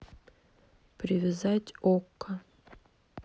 привязать окко